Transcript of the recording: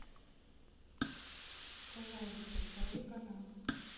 пожалуйста второй канал